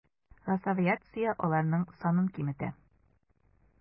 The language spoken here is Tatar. Росавиация аларның санын киметә.